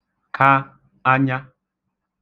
ka anya